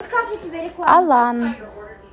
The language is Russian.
alan